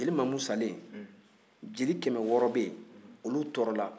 jeli mamu salen jeli kɛmɛ wɔɔrɔ bɛ yen olu tɔɔrɔla